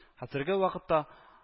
Хәзерге вакытта